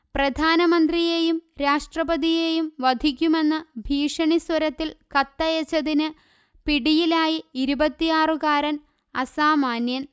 പ്രധാനമന്ത്രിയെയും രാഷ്ട്രപതിയെയും വധിക്കുമെന്ന് ഭീഷണി സ്വരത്തിൽ കത്തയച്ചതിൻപിടിയിലായി ഇരുപത്തിയാറുകാരൻ അസാമാന്യൻ